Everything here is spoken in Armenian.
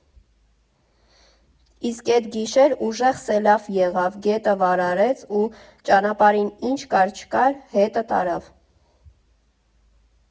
Իսկ էդ գիշեր ուժեղ սելավ եղավ, գետը վարարեց ու ճանապարհին ինչ կար֊չկար, հետը տարավ։